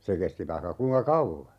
se kesti vaikka kuinka kauan